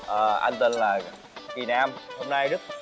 ờ anh tên là kỳ nam hôm nay rất